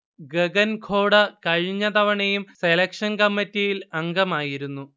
ഗഗൻ ഖോഡ കഴിഞ്ഞ തവണയും സെലക്ഷൻ കമ്മിറ്റിയിൽ അംഗമായിരുന്നു